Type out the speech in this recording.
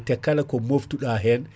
te kala ko moftuɗa hen